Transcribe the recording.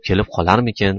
kelib qolarmikin